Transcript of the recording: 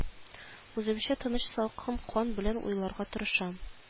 Үземчә тыныч салкын кан белән уйларга тырышам